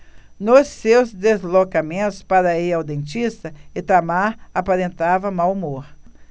nos seus deslocamentos para ir ao dentista itamar aparentava mau humor